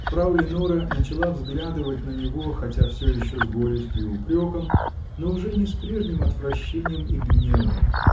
Фрау Леноре начала взглядывать на него, хотя все еще с горечью и упреком, но уже не с прежним отвращением и гневом